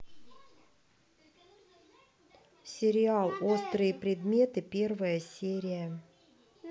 сериал острые предметы первая серия